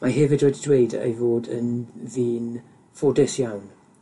Mae hefyd wedi dweud ei fod yn ddyn ffodus iawn